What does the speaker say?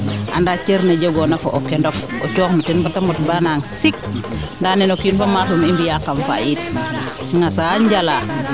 andaa cer ne jegoona fo'o kendof o coox no ten bata mat baa naan sip ndaa nene o kiin fo o maas rum i mbiya kam faayit ŋasa njala